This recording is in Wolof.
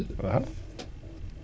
waaw